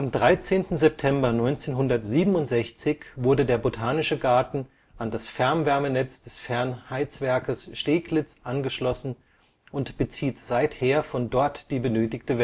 13. September 1967 wurde der Botanische Garten an das Fernwärmenetz des Fernheizwerkes Steglitz angeschlossen und bezieht seither von dort die benötigte